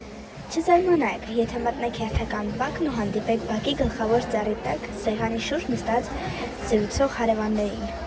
Չզարմանաք, եթե մտնեք հերթական բակն ու հանդիպեք բակի գլխավոր ծառի տակ սեղանի շուրջ նստած զրուցող հարևաններին։